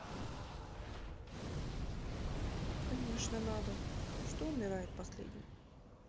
конечно надо что умирает последней